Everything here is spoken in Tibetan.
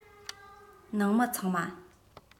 ནང མི ཚང མ